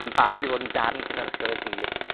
yn barod i fod yn darn cynhyrchiol o dir